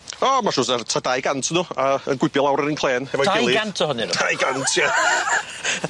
O ma' siŵr sa r- t'a dau gant o n'w a yn gwibio lawr yr inclên hefo'i gilydd. Dau gant ohonyn nw? Dau gant ie.